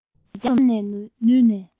ཕྱོགས བསྡོམས བརྒྱབ ནས ཞུ ན